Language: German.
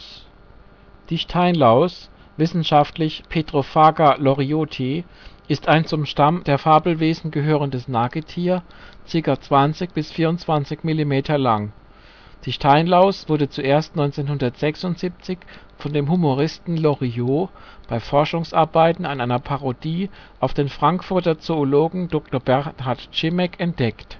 Steinlaus (wissenschaftlich Petrophaga lorioti) ist ein zum Stamm der Fabelwesen gehörendes Nagetier, ca. 20 – 24 mm lang. Die Steinlaus wurde zuerst 1976 von dem Humoristen Loriot bei Forschungsarbeiten an einer Parodie auf den Frankfurter Zoologen Dr. Bernhard Grzimek entdeckt